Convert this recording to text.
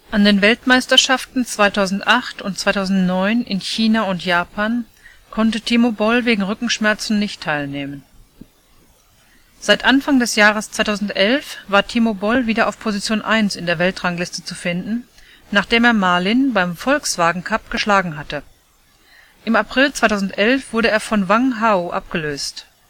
An den Weltmeisterschaften 2008 und 2009 in China und Japan konnte Timo Boll wegen Rückenschmerzen nicht teilnehmen. Seit Anfang des Jahres 2011 war Timo Boll wieder auf Position Eins in der Weltrangliste zu finden, nachdem er Ma Lin beim Volkswagencup geschlagen hatte. Im April 2011 wurde er von Wang Hao abgelöst